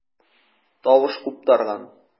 Тавыш куптарган.